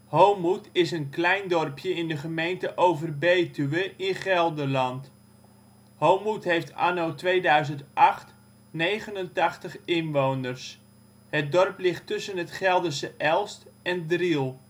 Homoet is een klein dorpje in de gemeente Overbetuwe in Gelderland. Homoet heeft anno 2008 89 inwoners. Het dorp ligt tussen het Gelderse Elst en Driel